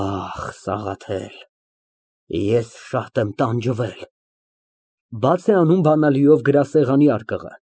Օ, Սաղաթել, ես շատ եմ տանջվել։ (Բաց է անում բանալիով գրասեղանի արկղը)